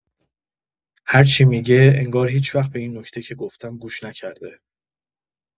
هر چی می‌گه، انگار هیچ‌وقت به این نکته که گفتم گوش نکرده.